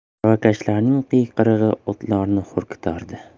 aravakashlar qiyqirig'i otlarni xurkitardi